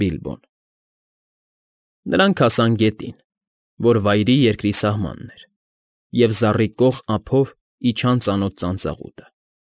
Բիլբոն։ Նրանք հասան գետին, որ Վայրի Երկրի սահմանն էր, և զոռիկող ափով իջան ծանոթ ծանծաղուտը։